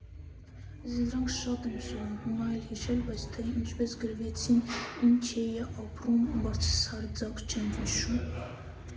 Ես դրանք շատ եմ սիրում հիմա էլ հիշել, բայց թե ինչպես գրվեցին, ինչ էի ապրում, բացարձակ չեմ հիշում։